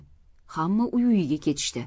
hamma uy uyiga ketishdi